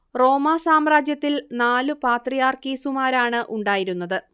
റോമാ സാമ്രാജ്യത്തിൽ നാലു പാത്രിയാർക്കീസുമാരാണ് ഉണ്ടായിരുന്നത്